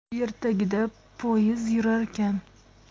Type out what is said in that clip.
yer tagida poyiz yurarkan